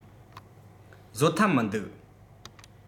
བཟོད ཐབས མི འདུག